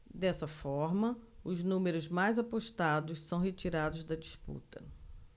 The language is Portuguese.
dessa forma os números mais apostados são retirados da disputa